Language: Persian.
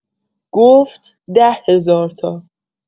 گفت: ده‌هزار تا.